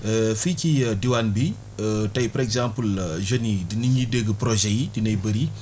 fii ci diwaan i tey par exemple jeunes yi dinañuy dégg projets yi dinay bëri